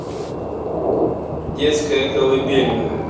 детская колыбельная